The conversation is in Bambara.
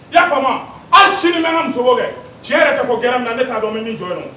I y'a faamuya? hali sini na bɛ n ka muso ko kɛ , tiɲɛ yɛrɛ tɛ fɔ in gɛrɛn min na t'a dɔn bɛ min jɔ yen na?